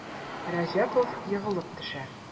Рәҗәпов егылып төшә.